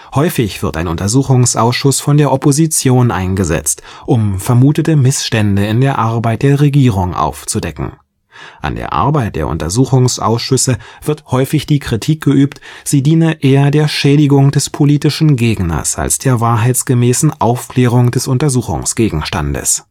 Häufig wird ein Untersuchungsausschuss von der Opposition eingesetzt, um vermutete Missstände in der Arbeit der Regierung aufzudecken. An der Arbeit der Untersuchungsausschüsse wird häufig die Kritik geübt, sie diene eher der Schädigung des politischen Gegners als der wahrheitsgemäßen Aufklärung des Untersuchungsgegenstandes